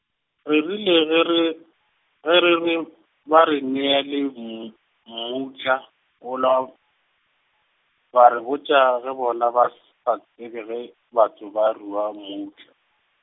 re rile ge re, ge re re, ba re neele mmu-, mmutla o la, ba re botša, ge bona ba s- , sa tsebe ge, botho rua mmutla.